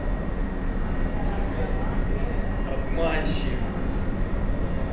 обманщик